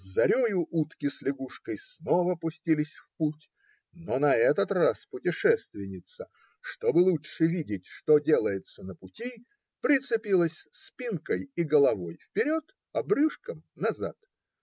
с зарею утки с лягушкой снова пустились в путь, но на этот раз путешественница, чтобы лучше видеть, что делается на пути, прицепилась спинкой и головой вперед, а брюшком назад.